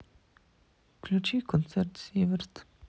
включи концерт зиверт